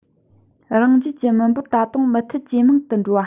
རང རྒྱལ གྱི མི འབོར ད དུང མུ མཐུད ཇེ མང དུ འགྲོ བ